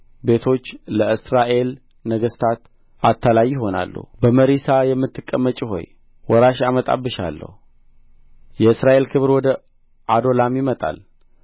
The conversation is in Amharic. ቤቶች ለእስራኤል ነገሥታት አታላይ ይሆናሉ በመሪሳ የምትቀመጪ ሆይ ወራሽ አመጣብሻለሁ የእስራኤል ክብር ወደ ዓዶላም ይመጣል